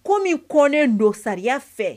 Ko min kɔnen don sariya fɛ